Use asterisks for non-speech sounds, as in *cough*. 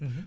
*hesitation* *hesitation*